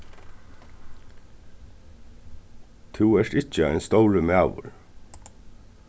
tú ert ikki ein stórur maður